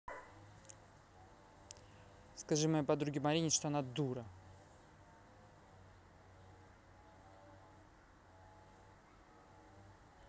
скажи моей подруге марине что она дура